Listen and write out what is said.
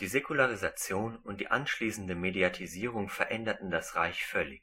Die Säkularisation und die anschließende Mediatisierung veränderten das Reich völlig.